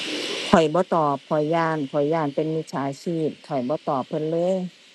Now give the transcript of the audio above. ข้อยบ่ตอบ ข้อยย้าน ข้อยย้านเป็นมิจฉาชีพ ข้อยบ่ตอบเพิ่นเลย